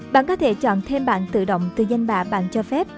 bạn có thể chọn thêm bạn tự động từ danh bạ bạn cho phép